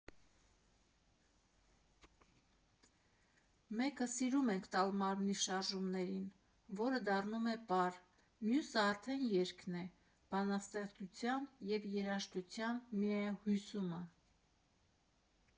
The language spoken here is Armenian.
Մեկը՝ սիրում ենք տալ մարմնի շարժումներին, որը դառնում է պար, մյուսը արդեն երգն է՝ բանաստեղծության և երաժշտության միահյուսումը։